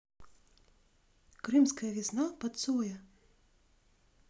крымская весна под цоя